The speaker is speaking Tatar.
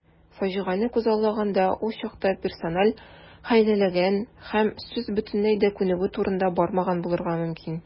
Фаҗигане күзаллаганда, ул чакта персонал хәйләләгән һәм сүз бөтенләй дә күнегү турында бармаган булырга мөмкин.